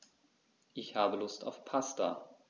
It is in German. Ich habe Lust auf Pasta.